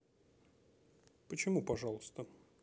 почему пожалуйста